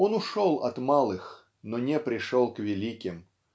он ушел от малых, но не пришел к великим.